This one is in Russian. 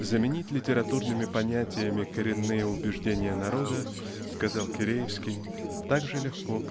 "Заменить литературными понятиями коренные убеждения народа --сказал Киреевский -- так же легко